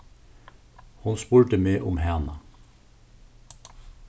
hon spurdi meg um hana